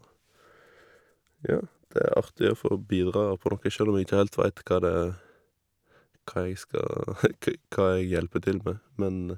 Ja, det er artig å få bidra på noe, sjøl om jeg ikke heilt vet hva det hva jeg skal k hva jeg hjelper til med, men...